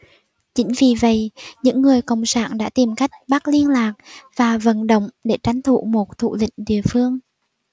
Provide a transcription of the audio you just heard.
chính vì vậy những người cộng sản đã tìm cách bắt liên lạc và vận động để tranh thủ một thủ lĩnh địa phương